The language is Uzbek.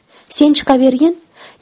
sen chiqavergin